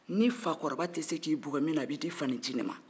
n'i fa kɔrɔba tɛ se k'i bugɔ min na a b'i d'i fanincinin ma